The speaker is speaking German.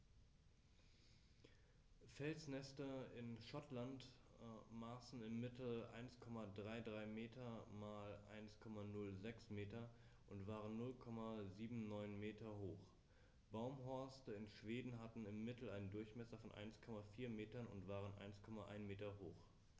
Felsnester in Schottland maßen im Mittel 1,33 m x 1,06 m und waren 0,79 m hoch, Baumhorste in Schweden hatten im Mittel einen Durchmesser von 1,4 m und waren 1,1 m hoch.